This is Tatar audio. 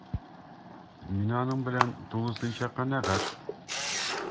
Мин аның белән тулысынча канәгать: